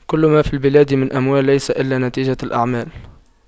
كل ما في البلاد من أموال ليس إلا نتيجة الأعمال